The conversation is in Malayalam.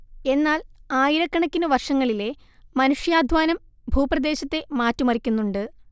എന്നാൽ ആയിരക്കണക്കിനു വർഷങ്ങളിലെ മനുഷ്യാധ്വാനം ഭൂപ്രദേശത്തെ മാറ്റിമറിക്കുന്നുണ്ട്